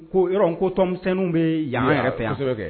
Nko, yɔrɔ nko tɔnmisɛninw bɛ yan an yɛrɛ fɛ yan kɛ. Kosɛbɛ.